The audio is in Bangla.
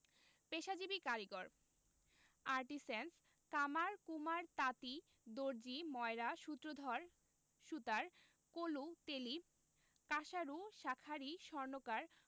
পেশাজীবী কারিগরঃ আর্টিসেন্স কামার কুমার তাঁতি দর্জি ময়রা সূত্রধর সুতার কলু তেলী কাঁসারু শাঁখারি স্বর্ণকার